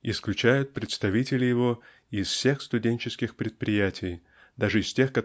исключают представителей его изо всех студенческих предприятий даже из тех